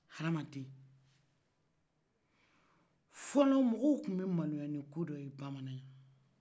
hadamaden fɔlɔ mɔgɔw kun bɛ maloya ni ko dɔye bamanana